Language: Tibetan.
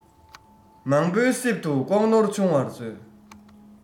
མང པོའི གསེབ ཏུ ལྐོག ནོར ཆུང བར མཛོད